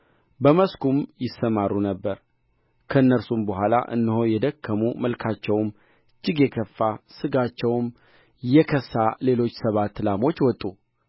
በመስኩም ይሰማሩ ነበር ከእነርሱም በኋላ እነሆ የደከሙ መልካቸውም እጅግ የከፋ ሥጋቸውም የከሳ ሌሎች ሰባት ላሞች ወጡ